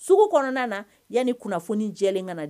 Sugu kɔnɔna na yanani kunnafoni jɛ ka